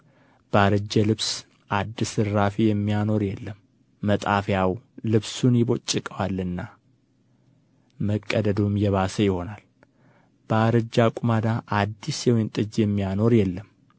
በአረጀ ልብስ አዲስ እራፊ የሚያኖር የለም መጣፊያው ልብሱን ይቦጭቀዋልና መቀደዱም የባሰ ይሆናል በአረጀ አቁማዳ አዲስ የወይን ጠጅ የሚያኖር የለም